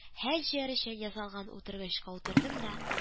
Хәл җыяр өчен ясалган утыргычка утырдым да